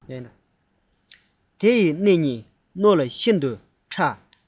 དེ ཡི སྣེ གཉིས རྣོ ལ ཤིན ཏུ ཕྲ